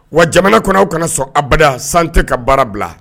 Wa jamana kɔnɔ kana sɔn abada san tɛ ka baara bila